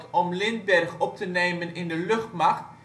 om Lindbergh op te nemen in de luchtmacht